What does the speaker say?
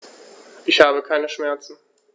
Ich habe keine Schmerzen.